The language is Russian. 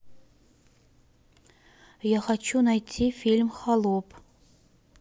я хочу найти фильм холоп